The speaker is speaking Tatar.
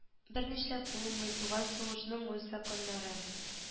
Бернишләп булмый туган сугышның үз законнары